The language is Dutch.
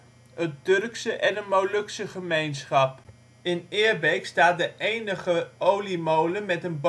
Turkse en een Molukse gemeenschap. In Eerbeek staat de enige oliemolen met een